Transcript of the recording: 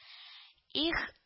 Их